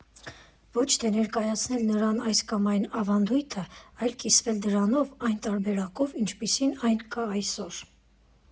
Ոչ թե ներկայացնել նրան այս կամ այն ավանդույթը, այլ կիսվել դրանով՝ այն տարբերակով ինչպիսին այն կա այսօր։